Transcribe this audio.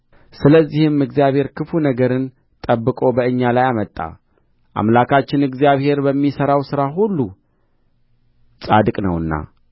ስለዚህም እግዚአብሔር ክፉ ነገሩን ጠብቆ በእኛ ላይ አመጣ አምላካችን እግዚአብሔር በሚሠራው ሥራ ሁሉ ጻድቅ ነውና